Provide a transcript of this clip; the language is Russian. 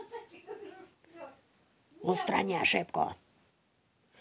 устрани ошибку